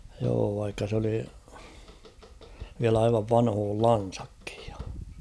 joo vaikka se oli vielä aivan vanhoillansakin ja